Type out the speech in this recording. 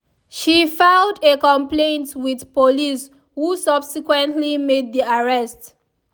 She filed a complaint with police who subsequently made the arrest.